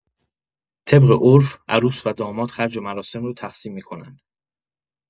طبق عرف، عروس و داماد خرج مراسم رو تقسیم می‌کنن.